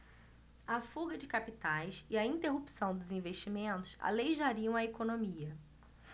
a fuga de capitais e a interrupção dos investimentos aleijariam a economia